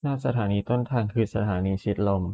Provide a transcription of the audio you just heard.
ถ้าสถานีต้นทางคือสถานีชิดลม